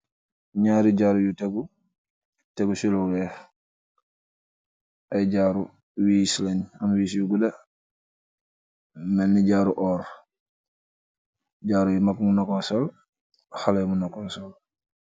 Njaari jaarou yu tehgu, tehgu c lu wekh, eyy jaarou wiss len am wiss yu gudah, melni jaarou orrr, jaarou yi mak mun nakor sol, haleh mun nakor sol.